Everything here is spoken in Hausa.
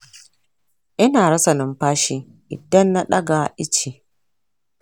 ina rasa numfashi idan na ɗaga iche.